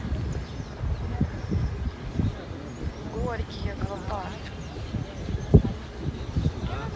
горький аквапарк